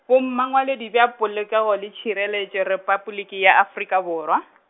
Bomangwaledi bja Polokego le Tšhireletšo Repabliki ya Afrika Borwa .